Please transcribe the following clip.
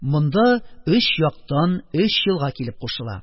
Монда өч яктан өч елга килеп кушыла.